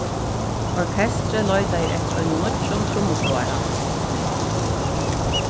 orkestrið leitaði eftir einum nýggjum trummusláara